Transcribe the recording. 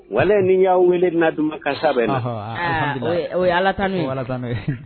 Wa ni y'a wele na duman kansa o ye ala ka ni